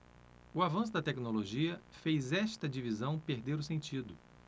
o avanço da tecnologia fez esta divisão perder o sentido